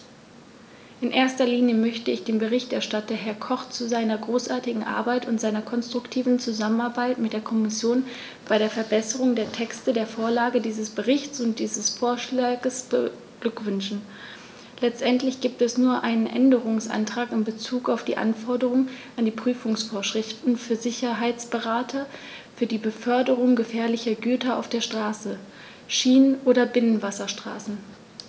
In erster Linie möchte ich den Berichterstatter, Herrn Koch, zu seiner großartigen Arbeit und seiner konstruktiven Zusammenarbeit mit der Kommission bei der Verbesserung der Texte, der Vorlage dieses Berichts und dieses Vorschlags beglückwünschen; letztendlich gibt es nur einen Änderungsantrag in bezug auf die Anforderungen an die Prüfungsvorschriften für Sicherheitsberater für die Beförderung gefährlicher Güter auf Straße, Schiene oder Binnenwasserstraßen.